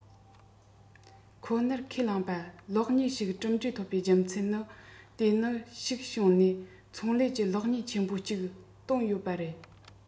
ཁོ ནར ཁས བླངས པ གློག བརྙན ཞིག གྲུབ འབྲས ཐོབ པའི རྒྱུ མཚན ནི དེ ནི ཞིག བྱུང ནས ཚོང ལས ཀྱི གློག བརྙན ཆེན མོ ཅིག བཏོན ཡོད པ རེད